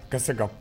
Tɛ rɔ